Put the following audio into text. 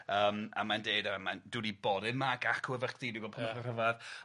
Yym a mae'n deud yy ma'n dwi 'di bod yma ag acw efo chdi dwi gwel' petha rhyfadd